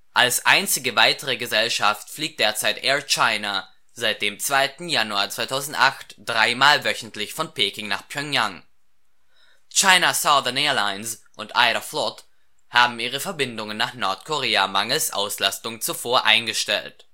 Als einzige weitere Gesellschaft fliegt derzeit Air China seit dem 2. Januar 2008 dreimal wöchentlich von Peking nach Pjöngjang. China Southern Airlines und Aeroflot haben ihre Verbindungen nach Nordkorea mangels Auslastung zuvor eingestellt